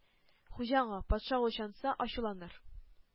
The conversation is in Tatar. Хуҗа аңа: Патша ачуланса ачуланыр,